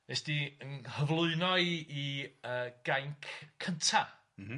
nes di yng nghyflwyno i i y Gainc Cynta'... M-hm.